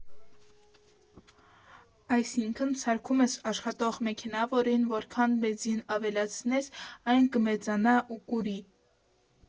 Այսինքն՝ սարքում ես աշխատող մեքենա, որին որքան բենզին ավելացնես, այն կմեծանա ու կուռի։